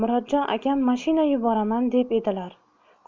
murodjon akam mashina yuboraman deb edilar